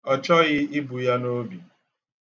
Ọ chọghị ibu ya n'obi.